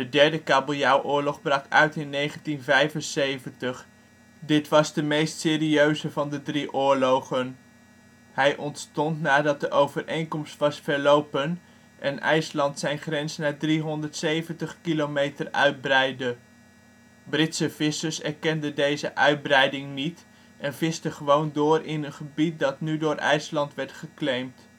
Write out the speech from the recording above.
derde kabeljauwoorlog brak uit in 1975. Dit was de meest serieuze van de drie ' oorlogen '. Hij ontstond nadat de overeenkomst was verlopen en IJsland zijn grens naar 370 kilometer uitbreidde. Britse vissers erkenden deze uitbreiding niet en visten gewoon door in gebied dat nu door IJsland geclaimd